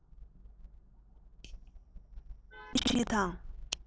སྙན ཚིག བྲིས དང